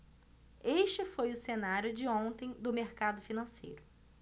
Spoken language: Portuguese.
este foi o cenário de ontem do mercado financeiro